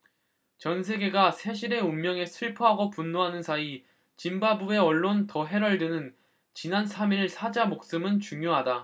전세계가 세실의 운명에 슬퍼하고 분노하는 사이 짐바브웨 언론 더헤럴드는 지난 삼 일 사자 목숨은 중요하다